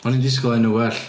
O'n i'n disgwyl enw well.